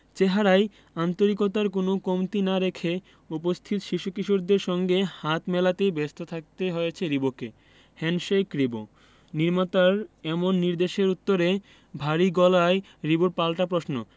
চেহারায় আন্তরিকতার কোনো কমতি না রেখে উপস্থিত শিশু কিশোরদের সঙ্গে হাত মেলাতেই ব্যস্ত থাকতে হয়েছে রিবোকে হ্যান্ডশেক রিবো নির্মাতার এমন নির্দেশের উত্তরে ভারী গলায় রিবোর পাল্টা প্রশ্ন